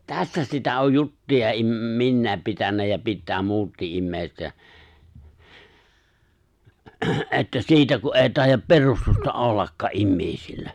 tässä sitä on juttuja - minä pitänyt ja pitää muutkin ihmiset ja että siitä kun ei taida perustusta ollakaan ihmisillä